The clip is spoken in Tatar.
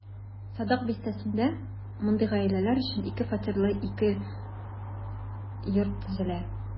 Садак бистәсендә мондый гаиләләр өчен ике фатирлы ике йорт төзелә.